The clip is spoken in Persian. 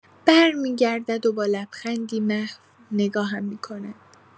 برمی‌گردد و با لبخندی محو نگاهم می‌کند.